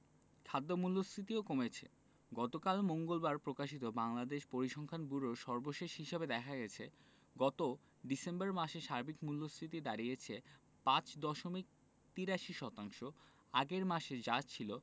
খাদ্য মূল্যস্ফীতিও কমেছে গতকাল মঙ্গলবার প্রকাশিত বাংলাদেশ পরিসংখ্যান ব্যুরোর সর্বশেষ হিসাবে দেখা গেছে গত ডিসেম্বর মাসে সার্বিক মূল্যস্ফীতি দাঁড়িয়েছে ৫ দশমিক ৮৩ শতাংশ আগের মাসে যা ছিল